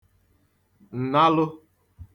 ǹnalụ